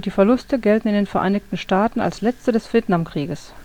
Verluste gelten in den Vereinigten Staaten als letzte des Vietnamkrieges